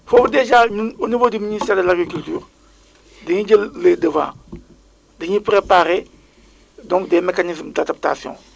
foofu dèjà ñun au niveau du ministère de l' agriculture dañuy jël les devants dañuy préparé donc des mécanismes d' adaptation